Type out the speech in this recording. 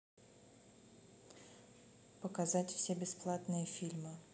показать все бесплатные фильмы